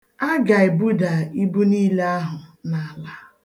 A ga-ebuda ibu niile ahụ n'ala.